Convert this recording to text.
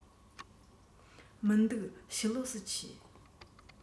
མི འདུག ཕྱི ལོགས སུ མཆིས